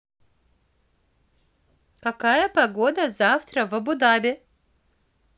какая погода завтра в абу даби